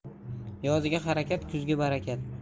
yozgi harakat kuzgi barakat